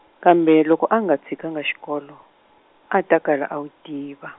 kambe loko a nga tshikanga xikolo, a a ta kala a wu tiva.